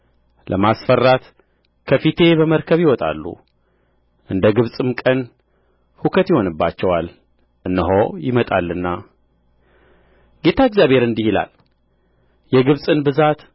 ለማስፈራት ከፊቴ በመርከብ ይወጣሉ እንደ ግብጽም ቀን ሁከት ይሆንባቸዋል እነሆ ይመጣልና ጌታ እግዚአብሔር እንዲህ ይላል የግብጽን ብዛት